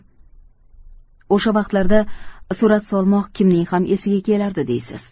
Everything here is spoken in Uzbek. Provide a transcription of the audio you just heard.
o'sha vaqtlarda surat solmoq kimning ham esiga kelardi deysiz